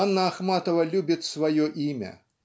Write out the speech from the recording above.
Анна Ахматова любит свое имя